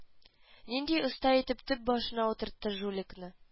Нинди оста итеп төп башына утыртты жуликны